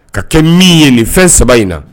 Ka kɛ min ye nin fɛn saba in na